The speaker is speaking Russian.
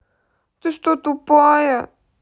ты что тупая